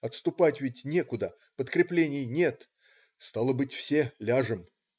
Отступать ведь некуда, подкреплений нет. Стало быть, все ляжем.